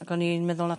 Ac o'n i'n meddwl na...